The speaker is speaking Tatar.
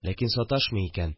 Ләкин саташмый икән